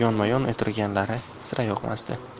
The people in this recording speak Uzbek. yonma yon o'tirganlari sira yoqmasdi